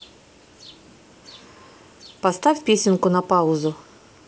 поставь песенку на паузу